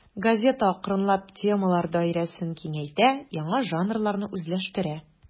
Газета акрынлап темалар даирәсен киңәйтә, яңа жанрларны үзләштерә.